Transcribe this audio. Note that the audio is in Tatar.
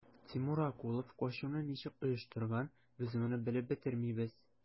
Тимур Акулов качуны ничек оештырган, без моны белеп бетермибез.